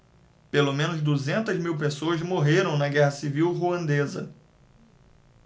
pelo menos duzentas mil pessoas morreram na guerra civil ruandesa